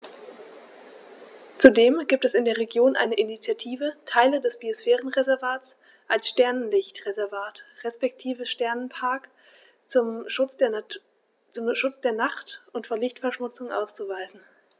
Zudem gibt es in der Region eine Initiative, Teile des Biosphärenreservats als Sternenlicht-Reservat respektive Sternenpark zum Schutz der Nacht und vor Lichtverschmutzung auszuweisen.